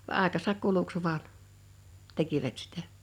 vaan aikansa kuluksi vain tekivät sitä